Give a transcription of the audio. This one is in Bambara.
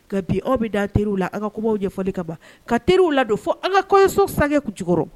Ka bi aw bɛ da teriw la aw ka kumaw ɲɛfɔli kama, ka teriw ladon fo an ka kɔɲɔso sange jukɔrɔ